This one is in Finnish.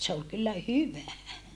se oli kyllä hyvä